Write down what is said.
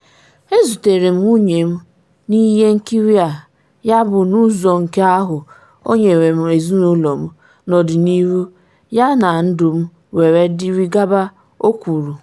‘Ezutere m nwunye m n’ihe nkiri a, yabụ n’ụzọ nke ahụ o nyere m ezinụlọ m n’ọdịnihu, ya na ndụ m were dịrị gaba.’ o kwuru.